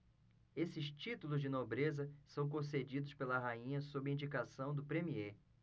esses títulos de nobreza são concedidos pela rainha sob indicação do premiê